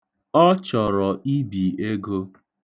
Ọ chọrọ ibi ego.